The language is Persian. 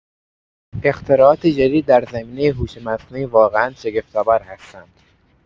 اختراعات جدید در زمینه هوش مصنوعی واقعا شگفت‌آور هستند.